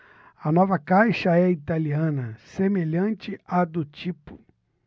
a nova caixa é italiana semelhante à do tipo